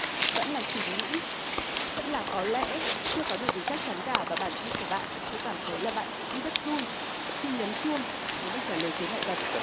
vẫn là chỉ nghĩ vẫn là có lẽ chưa có điều gì chắc chắn cả và bản thân của bạn tôi cảm thấy là bạn cũng rất run khi nhấn chuông muốn được trả lời chướng ngại vật